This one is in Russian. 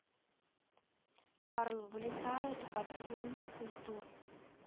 карл вылетает под фон культур